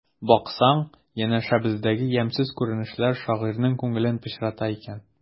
Баксаң, янәшәбездәге ямьсез күренешләр шагыйрьнең күңелен пычрата икән.